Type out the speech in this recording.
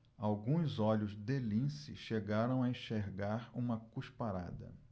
alguns olhos de lince chegaram a enxergar uma cusparada